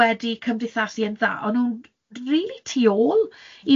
wedi cymdeithasu yn dda, o'n nhw'n rili tu ôl... M-hm